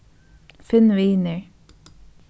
finn vinir